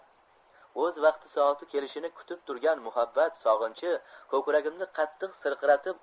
o'z vaqti soati kelishini kutib yurgan muhabbat sog'inchi ko'kragimni kattiq sirqiratib